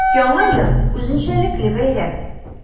Яңа ел – үзенчәлекле бәйрәм.